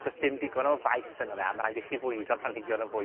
do's dim digon o faith yn'o fe, a ma' raid i chi fwydo planhigion yn fwy